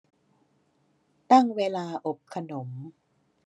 ตั้งเวลาอบขนม